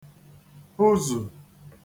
hụzù